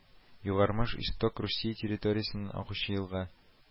Юргамыш Исток Русия территориясеннән агучы елга